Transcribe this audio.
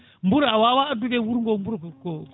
buuru a wawa addude e wuurogo buuru ko